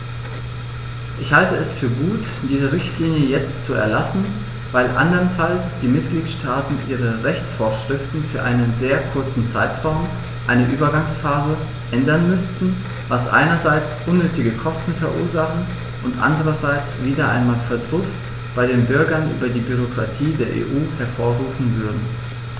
Ich halte es für gut, diese Richtlinie jetzt zu erlassen, weil anderenfalls die Mitgliedstaaten ihre Rechtsvorschriften für einen sehr kurzen Zeitraum, eine Übergangsphase, ändern müssten, was einerseits unnötige Kosten verursachen und andererseits wieder einmal Verdruss bei den Bürgern über die Bürokratie der EU hervorrufen würde.